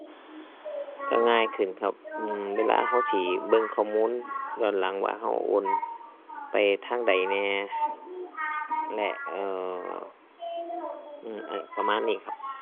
ก็ง่ายขึ้นครับ อือ เวลาก็สิเบิ่งข้อมูลย้อนหลังว่าก็โอนไปทางใดแหน่ และ เอ่อ อือ ไอ้ ประมาณนี้ครับ